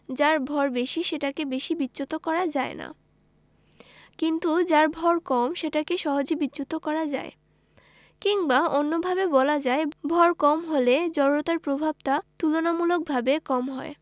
যার ভর বেশি সেটাকে বেশি বিচ্যুত করা যায় না কিন্তু যার ভয় কম সেটাকে সহজে বিচ্যুত করা যায় কিংবা অন্যভাবে বলা যায় ভর কম হলে জড়তার প্রভাবটা তুলনামূলকভাবে কম হয়